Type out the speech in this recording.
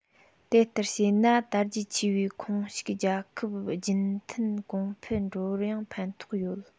དེ ལྟར བྱས ན དར རྒྱས ཆེ བའི ཁོངས ཞུགས རྒྱལ ཁབ རྒྱུན མཐུད གོང འཕེལ འགྲོ བར ཡང ཕན ཐོགས ཡོད